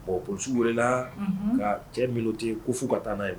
Bon polisiw welela ka cɛ minnu tɛ yen ko fo ka taa n'a ye